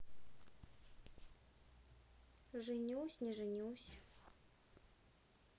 женюсь не женюсь